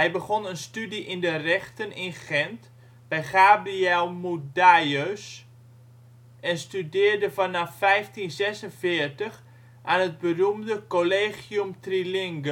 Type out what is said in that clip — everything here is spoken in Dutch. begon een studie in de rechten in Gent bij Gabriël Mudaeus en studeerde vanaf 1546 aan het beroemde Collegium Trilingue